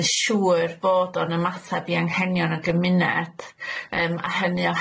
yn siŵr bod o'n ymateb i anghenion y gymuned yym a hynny